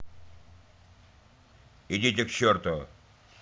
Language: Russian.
идите к черту